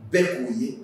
Bɛ u ye.